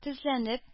Тезләнеп